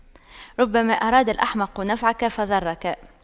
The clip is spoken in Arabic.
ربما أراد الأحمق نفعك فضرك